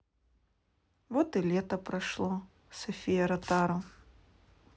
вот и лето прошло софия ротару